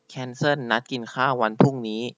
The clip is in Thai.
แคนเซิลนัดกินข้าววันพรุ่งนี้